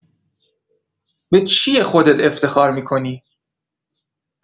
به چیه خودت افتخار می‌کنی؟